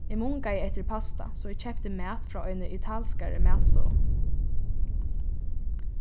eg mungaði eftir pasta so eg keypti mat frá eini italskari matstovu